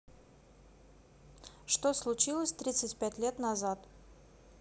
что случилось тридцать пять лет назад